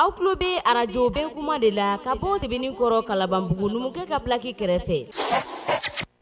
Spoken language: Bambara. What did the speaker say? Aw tulo bɛ araj kuma de la ka bɔkɔrɔ kalanbanbugu numukɛkɛ ka bilaki kɛrɛfɛ